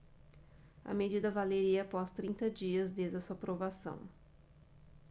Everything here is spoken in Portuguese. a medida valeria após trinta dias desde a sua aprovação